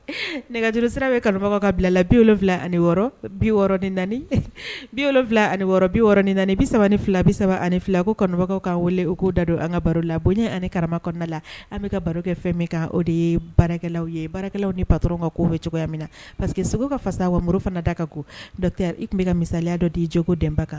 Nɛgɛjuru sira bɛ kanubaga ka bila la bi wolonwula ani biɔrɔn bi ani wɔɔrɔ bi bi3 ni fila bi3 ani fila ko kanubagaw ka wele u ko da don an ka baro la bonya ani karama kɔnɔna la an bɛ ka baro kɛ fɛn min o de ye barakɛlaw ye baralaw ni pator ka' bɛ cogoya min na pa que sokɛ ka fasa wa fana da kan koya i tun bɛ ka misaya dɔ di i joogo denba kan